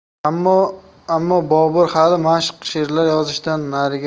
ammo bobur hali mashq sherlar yozishdan